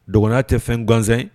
Dɔgɔ tɛ fɛn gansansɛn